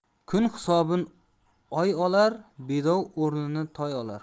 kun hisobini oy olar bedov o'rnini toy olar